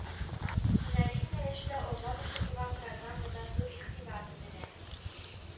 Һөнәри юнәлештә алдан укытуга программада зур игътибар бүленә